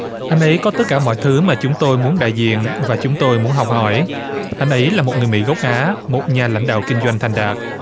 anh ấy có tất cả mọi thứ mà chúng tôi muốn đại diện và chúng tôi muốn học hỏi anh ấy là một người mỹ gốc á một nhà lãnh đạo kinh doanh thành đạt